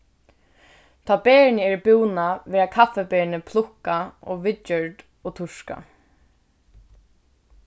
tá berini eru búnað verða kaffiberini plukkað og viðgjørd og turkað